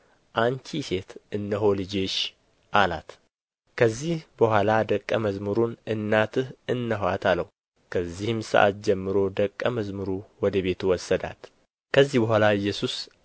አንቺ ሴት እነሆ ልጅሽ አላት ከዚህ በኋላ ደቀ መዝሙሩን እናትህ እነኋት አለው ከዚህም ሰዓት ጀምሮ ደቀ መዝሙሩ ወደ ቤቱ ወሰዳት ከዚህ በኋላ ኢየሱስ